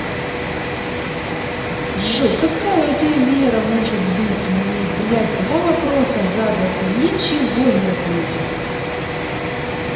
джой какая у тебя вера может быть мне блять два вопроса задал ты ничего не ответил